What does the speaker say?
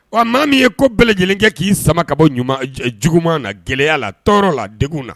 Wa maa min ye ko bɛɛ lajɛlen kɛ k'i sama ka bɔ ɲuman juguman na gɛlɛya la tɔɔrɔ la de na